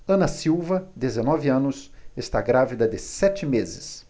ana silva dezenove anos está grávida de sete meses